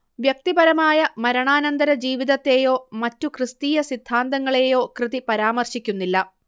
വ്യക്തിപരമായ മരണാനന്തരജീവിതത്തേയോ മറ്റു ക്രിസ്തീയ സിദ്ധാന്തങ്ങളേയോ കൃതി പരാമർശിക്കുന്നില്ല